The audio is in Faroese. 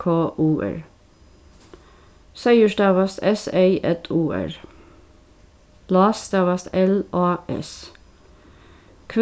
k u r seyður stavast s ey ð u r lás stavast l á s